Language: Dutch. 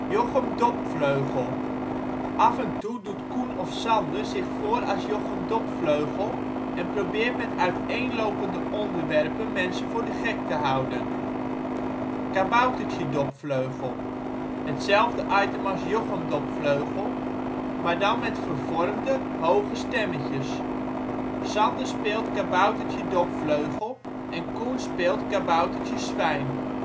Jochem Dopvleugel (af en toe doet Coen of Sander zich voor als Jochem Dopvleugel en probeert met uiteenlopende onderwerpen mensen voor de gek te houden) Kaboutertje Dopvleugel (hetzelfde item als " Jochem Dopvleugel ", maar dan met vervormde, hoge stemmetjes. Sander speelt Kaboutertje Dopvleugel en Coen speelt Kaboutertje Swijn